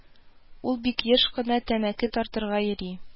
Ул бик еш кына тәмәке тартырга йөри